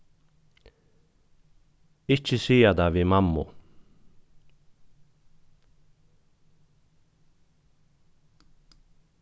ikki siga tað við mammu